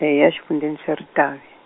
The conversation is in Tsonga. e a xifundzheni xa ritavi.